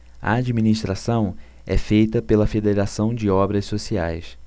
a administração é feita pela fos federação de obras sociais